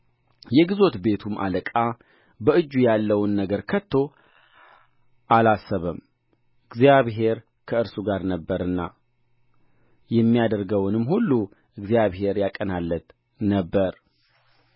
የግዞት ቤቱም አለቃ በእጁ ያለውን ነገር ከቶ አላሰበም እግዚአብሔር ከእርሱ ጋር ነበረና የሚያደርገውንም ሁሉ እግዚአብሔር ያቀናለት ነበር